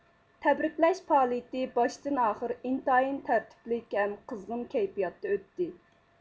تەبرىكلەش پائالىيىتى باشتىن ئاخىر ئىنتايىن تەرتىپلىك ھەم قىزغىن كەيپىياتتا ئۆتتى